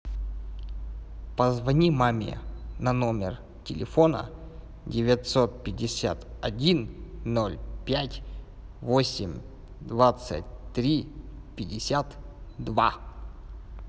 позвони маме на номер телефона девятьсот пятьдесят один ноль пять восемь двадцать три пятьдесят два